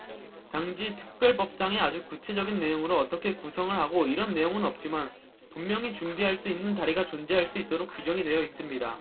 단지 특별법상에 아주 구체적인 내용으로 어떻게 구성을 하고 이런 내용은 없지만 분명히 준비할 수 있는 다리가 존재할 수 있도록 규정이 되어 있습니다